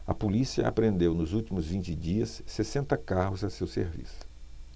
a polícia apreendeu nos últimos vinte dias sessenta carros a seu serviço